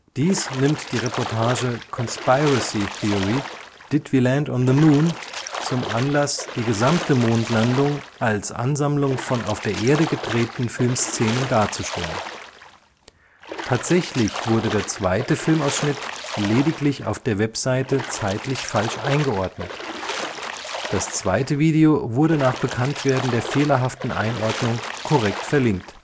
Dies nimmt die Reportage Conspiracy Theory: Did We Land on the Moon? zum Anlass, die gesamte Mondlandung als Ansammlung von auf der Erde gedrehten Filmszenen darzustellen. Tatsächlich wurde der zweite Filmausschnitt lediglich auf der Website zeitlich falsch eingeordnet. Das zweite Video wurde nach Bekanntwerden der fehlerhaften Einordnung korrekt verlinkt